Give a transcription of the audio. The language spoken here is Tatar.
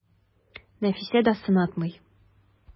Нәфисә дә сынатмый.